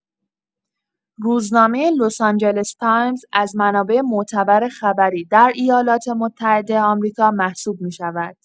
روزنامه لس‌آنجلس تایمز از منابع معتبر خبری در ایالات‌متحده آمریکا محسوب می‌شود.